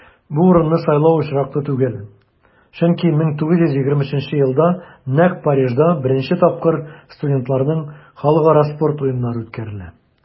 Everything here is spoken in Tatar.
Бу урынны сайлау очраклы түгел, чөнки 1923 елда нәкъ Парижда беренче тапкыр студентларның Халыкара спорт уеннары үткәрелә.